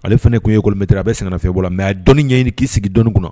Ale fana kun ye école maître a bɛ bɛ sɛngɛ lafiɲɛ bɔ la mais a ye dɔnni ɲɛɲini kii sigi dɔnni kun na .